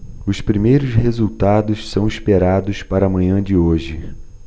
os primeiros resultados são esperados para a manhã de hoje